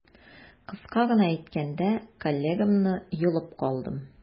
Кыска гына әйткәндә, коллегамны йолып калдым.